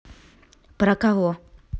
про кого